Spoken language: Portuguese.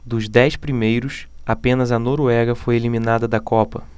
dos dez primeiros apenas a noruega foi eliminada da copa